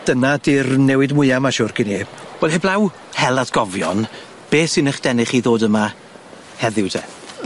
dyna di'r newid mwya ma' siŵr gin i. Wel heblaw hel atgofion be sy'n eich denu chi ddod yma heddiw te?